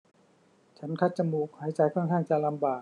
ฉันคัดจมูกหายใจค่อนข้างจะลำบาก